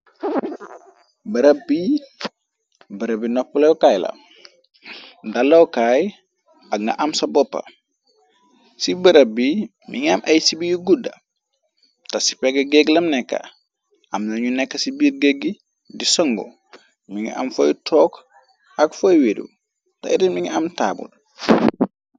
barab bi barab bi nopp lookaay la dalookaay ak nga am sa boppa ci barab bi mi nga am ay sibi yu gudda te ci peg gégglam nekka am na ñu nekk ci biir gégg di songo mi nga am foy took ak foy weiru te idin mi nga am taabul